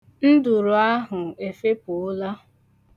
Nduru ahụ efepuola.